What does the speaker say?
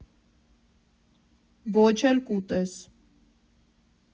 Ոչ էլ կուտես։